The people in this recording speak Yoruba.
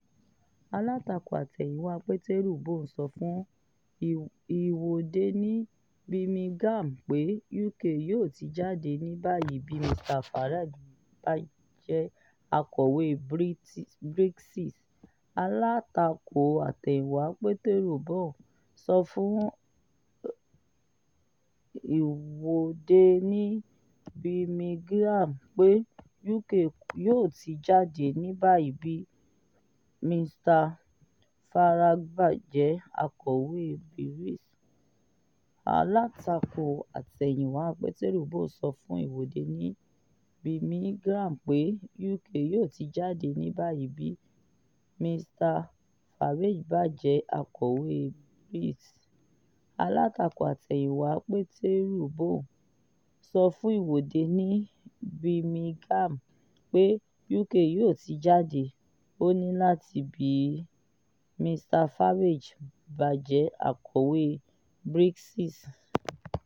Alatako atẹhinwa Peteru Bone sọ fun iwọde ni Birmingham pe UK yoo 'ti jade' ni bayi bi Mr Farage bajẹ Akowe Brexit.